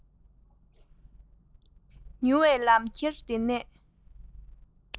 ཉུལ པའི ལམ ཁྱེར འདི ནས